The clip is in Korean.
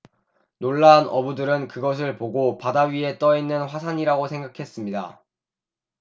놀란 어부들은 그것을 보고 바다 위에 떠 있는 화산이라고 생각했습니다